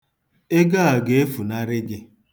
Ego a ga-efunarị gị.